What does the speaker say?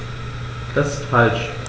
Das ist falsch.